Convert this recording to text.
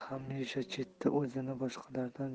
hamisha chetda o'zini boshqalardan